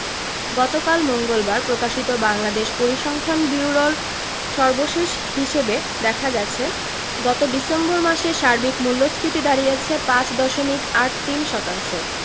গতকাল মঙ্গলবার প্রকাশিত বাংলাদেশ পরিসংখ্যান ব্যুরোর সর্বশেষ হিসাবে দেখা গেছে গত ডিসেম্বর মাসে সার্বিক মূল্যস্ফীতি দাঁড়িয়েছে ৫ দশমিক ৮৩ শতাংশ